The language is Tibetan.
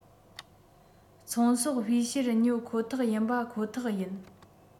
ཚོང ཟོག སྤུས ཞེར ཉོ ཁོ ཐག ཡིན པ ཁོ ཐག ཡིན